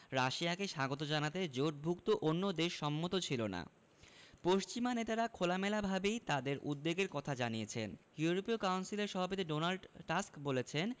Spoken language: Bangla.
রাশিয়াকে স্বাগত জানাতে জোটভুক্ত অন্য দেশ সম্মত ছিল না পশ্চিমা নেতারা খোলামেলাভাবেই তাঁদের উদ্বেগের কথা জানিয়েছেন ইউরোপীয় কাউন্সিলের সভাপতি ডোনাল্ড টাস্ক বলেছেন